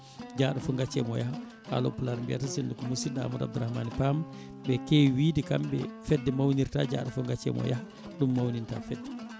jaaɗo foof gaccemo o yaaha haaloɓe Pulaar mbiyata sinno ko musidɗo Amadou Abdourahmane Pam ɓe keewi wiide kamɓe fedde mawnirta jaaɗo foof gaccemo o yaaha ɗum mawninta fedde